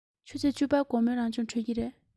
ཆུ ཚོད བཅུ པར དགོང མོའི རང སྦྱོང གྲོལ གྱི རེད